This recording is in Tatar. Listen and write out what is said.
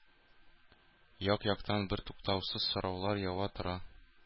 Як-яктан бертуктаусыз сораулар ява тора.